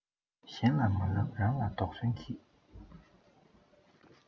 གཞན ལ མ ལབ རང ལ དོགས ཟོན གྱིས